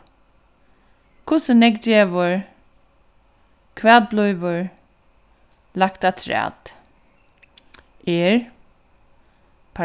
hvussu nógv gevur hvat blívur lagt afturat er